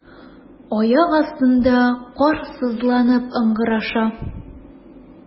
Аяк астында кар сызланып ыңгыраша.